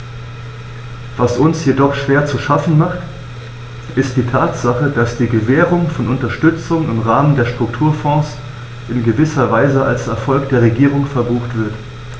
Was uns jedoch schwer zu schaffen macht, ist die Tatsache, dass die Gewährung von Unterstützung im Rahmen der Strukturfonds in gewisser Weise als Erfolg der Regierung verbucht wird.